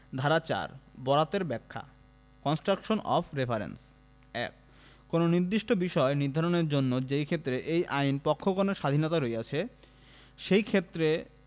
ধারা ৪ বরাতের ব্যাখ্যা কন্সট্রাকশন অফ রেফারেঞ্চেস ১ কোন নির্দিষ্ট বিষয় নির্ধারণের জন্য যেইক্ষেত্রে এই আইন পক্ষগণের স্বাধীণতা রহিয়াছে সেইক্ষেত্রে